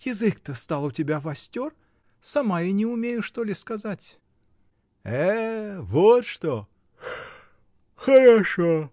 — Язык-то стал у тебя востер: сама я не умею, что ли, сказать? — Э, вот что! Хорошо.